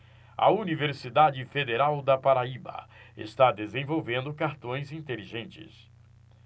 a universidade federal da paraíba está desenvolvendo cartões inteligentes